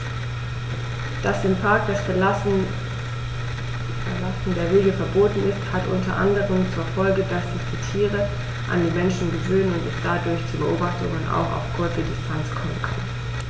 Dass im Park das Verlassen der Wege verboten ist, hat unter anderem zur Folge, dass sich die Tiere an die Menschen gewöhnen und es dadurch zu Beobachtungen auch auf kurze Distanz kommen kann.